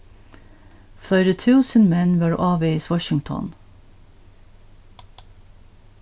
fleiri túsund menn vóru ávegis washington